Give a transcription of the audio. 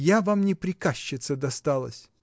Я вам не приказчица досталась.